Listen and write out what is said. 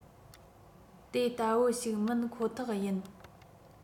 དེ ལྟ བུ ཞིག མིན ཁོ ཐག ཡིན